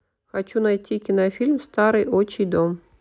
хочу найти кинофильм старый отчий дом